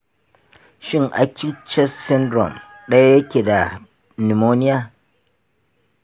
shin acute chest syndrome ɗaya yake da pneumonia?